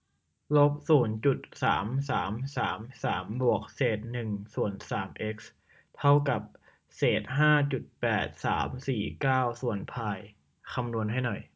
ลบศูนย์จุดสามสามสามสามบวกเศษหนึ่งส่วนสามเอ็กซ์เท่ากับเศษห้าจุดแปดสามสี่เก้าส่วนพายคำนวณให้หน่อย